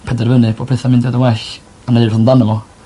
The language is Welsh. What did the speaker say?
penderfynu popeth yn mynd â dy well a neu' rhwbath amdano fo.